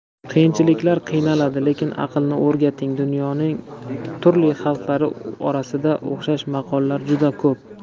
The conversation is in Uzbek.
qiyinchiliklar qiynaladi lekin aqlni o'rgating dunyoning turli xalqlari orasida o'xshash maqollar juda ko'p